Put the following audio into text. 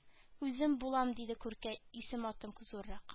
Үзем булам диде күркә исем-атым зуррак